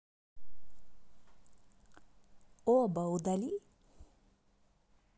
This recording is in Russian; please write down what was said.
оба удали